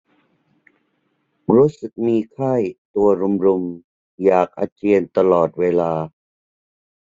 รู้สึกมีไข้ตัวรุมรุมอยากอาเจียนตลอดเวลา